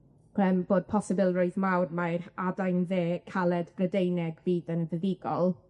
yym bod posibilrwydd mawr mai'r adain dde caled Brydeinig byd yn fuddugol.